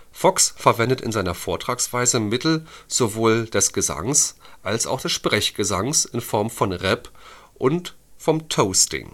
Fox verwendet in seiner Vortragsweise Mittel sowohl des Gesangs als auch des Sprechgesangs in Form vom Rap und vom Toasting